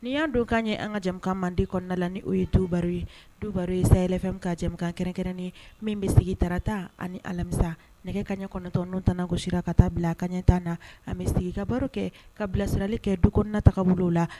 Nin y'a don k'a ye an ka jamana mande kɔnɔna la ni oo ye tuba ye duba ye sayay yɛrɛ fɛ ka jamana kɛrɛnnen min bɛ sigi tarata ani alamisa nɛgɛ ka ɲɛ kɔnɔntɔn n'o tɛna kosira ka taa bila a ka ɲɛ ta na a bɛ sigi ka baro kɛ ka bilasirali kɛ du kɔnɔnanataa bolo la